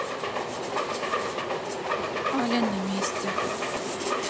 але на месте